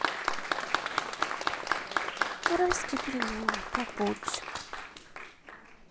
уральские пельмени попутчик